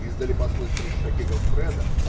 Издали послышались шаги Гоффредо.